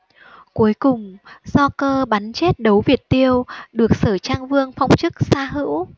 cuối cùng do cơ bắn chết đấu việt tiêu được sở trang vương phong chức xa hữu